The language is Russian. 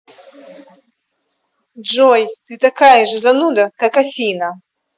джой ты такая же зануда как афина